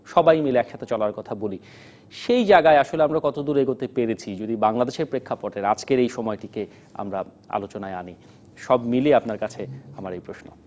সবাই মিলে একসাথে চলার কথা বলি সেই জায়গায় আসলে আমরা কত দুর এগোতে পেরেছি যদি বাংলাদেশ প্রেক্ষাপটে আজকের এই সময়টিকে আমরা আলোচনায় আনি সব মিলিয়ে আপনার কাছে আমার এই প্রশ্ন